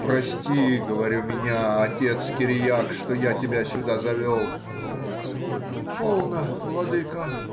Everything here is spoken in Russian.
— Прости,— говорю,— меня, отец Кириак, что я тебя сюда завел. — Полно, владыко.